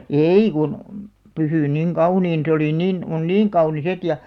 ei kun pysynyt niin kauniina se oli niin on niin kaunis että ja